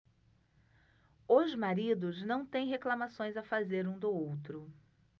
os maridos não têm reclamações a fazer um do outro